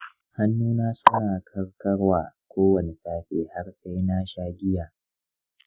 hannuna suna karkarwa kowane safe har sai na sha giya.